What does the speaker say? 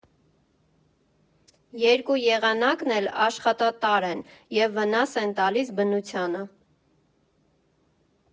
Երկու եղանակն էլ աշխատատար են և վնաս են տալիս բնությանը։